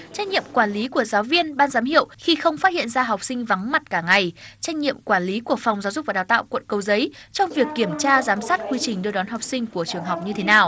trách nhiệm quản lý của giáo viên ban giám hiệu khi không phát hiện ra học sinh vắng mặt cả ngày trách nhiệm quản lý của phòng giáo dục và đào tạo quận cầu giấy trong việc kiểm tra giám sát quy trình đưa đón học sinh của trường học như thế nào